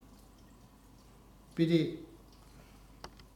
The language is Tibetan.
སྤེལ རེས